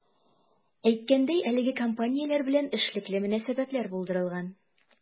Әйткәндәй, әлеге компанияләр белән эшлекле мөнәсәбәтләр булдырылган.